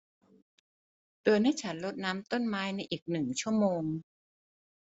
เตือนให้ฉันรดน้ำต้นไม้ในอีกหนึ่งชั่วโมง